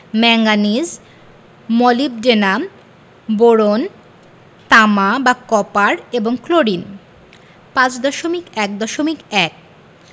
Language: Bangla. ম্যাংগানিজ মোলিবডেনাম বোরন তামা বা কপার এবং ক্লোরিন 5.1.1